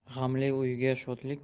g'amli uyga shodlik